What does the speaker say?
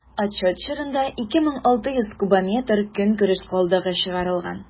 Отчет чорында 2600 кубометр көнкүреш калдыгы чыгарылган.